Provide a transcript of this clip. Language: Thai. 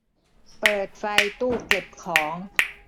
เปิดไฟตู้เก็บของ